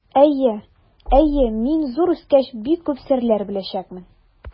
Әйе, әйе, мин, зур үскәч, бик күп серләр беләчәкмен.